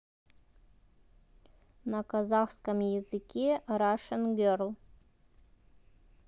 на казахском языке russian girl